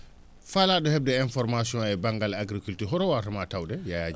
faalaaɗo heɓde information e baŋngal agriculture horoo waawaramaa tawde Yaya Dieng